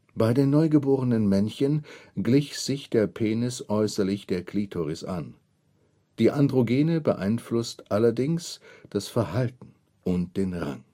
Bei den neugeborenen Männchen glich sich der Penis äußerlich der Klitoris an. Die Androgene beeinflusst allerdings das Verhalten und den Rang